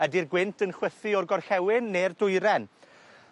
Ydi'r gwynt yn chwythu o'r gorllewin ne'r dwyren?